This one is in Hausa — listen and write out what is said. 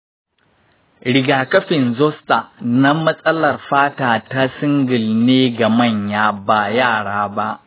rigakafin zoster na matsalar fata ta shingle ne ga manya, ba ga yara ba.